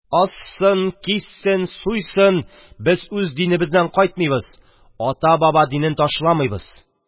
– ассын, киссен, суйсын – без үз динебездән кайтмыйбыз, ата-баба динен ташламыйбыз!..